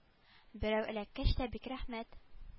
Берәү эләккәч тә бик рәхмәт